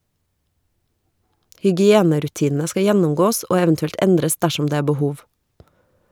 Hygienerutinene skal gjennomgåes, og eventuelt endres dersom det er behov.